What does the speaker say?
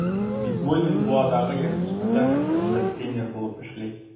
Бикмуллин Буадагы яшүсмерләр мәктәбендә тренер булып эшли.